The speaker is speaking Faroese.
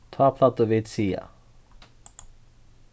tá plagdu vit siga